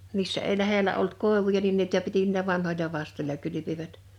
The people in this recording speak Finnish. missä ei lähellä ollut koivuja niin niitä piti niillä vanhoilla vastoilla kylpivät